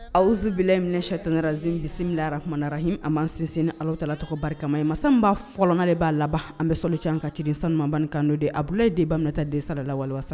Awzv minɛctonrazesira tumarahi a ma sinsin ala tala tɔgɔba kama masaba fɔlɔkan de b'a laban an bɛ sɔli caman an ka cirin sanuɲumanbankan de abu e de bata desa lawalesa